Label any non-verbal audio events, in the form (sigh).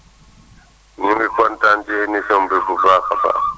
(noise) ñu ngi kontaan si émission bi bu baax a baax